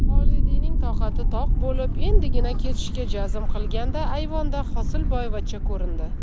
xolidiyning toqati toq bo'lib endigina ketishga jazm qilganda ayvonda hosilboyvachcha ko'rindi